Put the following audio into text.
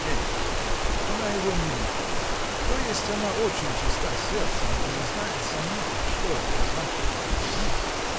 -- Нет, она его не любит, то есть она очень чиста сердцем и не знает сама, что это значит: любить.